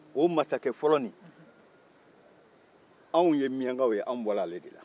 o masakɛ fɔlɔ in anw ye miyankaw ye anw bɔra ale de la